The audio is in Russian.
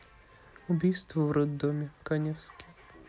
убийство в роддоме каневский